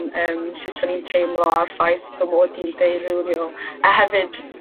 yym sut o'n i'n teimlo ar ffaith fy mod i'n ddeurywiol, a hefyd